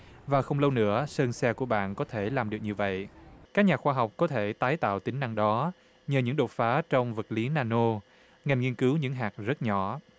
và không lâu nữa sơn xe của bạn có thể làm được như vậy các nhà khoa học có thể tái tạo tính năng đó nhờ những đột phá trong vật lý na nô ngành nghiên cứu những hạt rất nhỏ